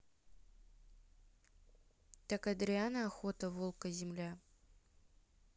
так адриана охота волка земля